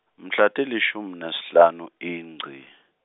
mhla tilishumi nesihlanu iNgci.